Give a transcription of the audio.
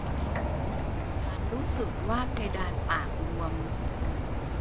ฉันรู้สึกว่าเพดานปากบวม